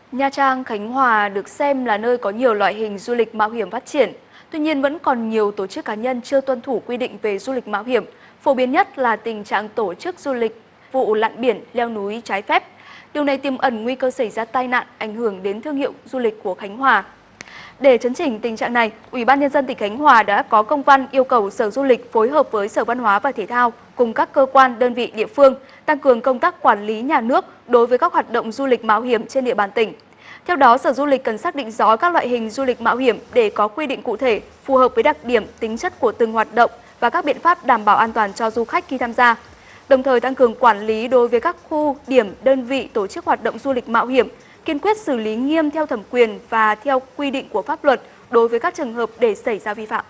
nha trang khánh hòa được xem là nơi có nhiều loại hình du lịch mạo hiểm phát triển tuy nhiên vẫn còn nhiều tổ chức cá nhân chưa tuân thủ quy định về du lịch mạo hiểm phổ biến nhất là tình trạng tổ chức du lịch vụ lặn biển leo núi trái phép điều này tiềm ẩn nguy cơ xảy ra tai nạn ảnh hưởng đến thương hiệu du lịch của khánh hòa để chấn chỉnh tình trạng này ủy ban nhân dân tỉnh khánh hòa đã có công văn yêu cầu sở du lịch phối hợp với sở văn hóa và thể thao cùng các cơ quan đơn vị địa phương tăng cường công tác quản lý nhà nước đối với các hoạt động du lịch mạo hiểm trên địa bàn tỉnh theo đó sở du lịch cần xác định rõ các loại hình du lịch mạo hiểm để có quy định cụ thể phù hợp với đặc điểm tính chất của từng hoạt động và các biện pháp đảm bảo an toàn cho du khách khi tham gia đồng thời tăng cường quản lý đối với các khu điểm đơn vị tổ chức hoạt động du lịch mạo hiểm kiên quyết xử lý nghiêm theo thẩm quyền và theo quy định của pháp luật đối với các trường hợp để xảy ra vi phạm